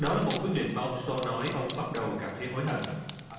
đó là một quyết định mà ông sô nói ông bắt đầu cảm thấy hối hận